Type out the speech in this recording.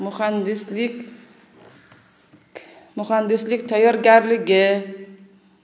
muhandislik tayyorgarligi